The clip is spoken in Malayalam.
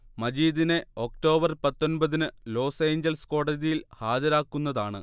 മജീദിനെ ഒക്ടോബർ പത്തൊൻപത്തിന് ലോസ് ഏയ്ജൽസ് കോടതിയിൽ ഹാജരാക്കുന്നതാണ്